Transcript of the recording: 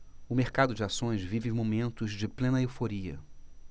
o mercado de ações vive momentos de plena euforia